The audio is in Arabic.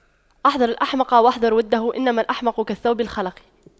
احذر الأحمق واحذر وُدَّهُ إنما الأحمق كالثوب الْخَلَق